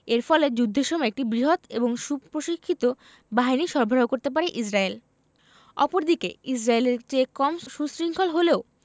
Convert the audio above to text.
এর ফলে যুদ্ধের সময় একটি বৃহৎ এবং সুপ্রশিক্ষিত বাহিনী সরবরাহ করতে পারে ইসরায়েল অপরদিকে ইসরায়েলের চেয়ে কম সুশৃঙ্খল হলেও